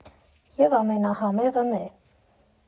ԵՒ ամենահամեղն է։